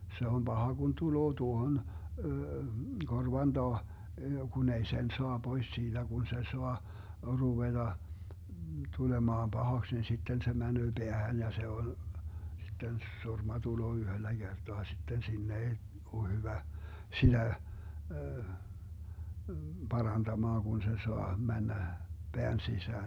se on paha kun tulee tuohon korvan taa kun ei sen saa pois siitä kun se saa ruveta tulemaan pahaksi niin sitten se menee päähän ja se on sitten surma tulee yhdellä kertaa sitten sinne ei ole hyvä sillä parantamaan kun se saa mennä pään sisään